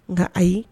Nka ayi